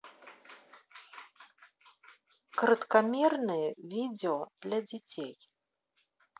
короткомерные видео для детей